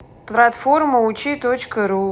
платформа учи точка ру